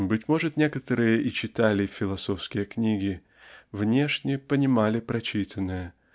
Быть может, некоторые и читали философские книги, внешне понимали про, читанное